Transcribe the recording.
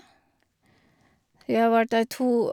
Jeg har vært der to...